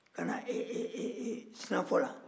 ka na sinafɔ la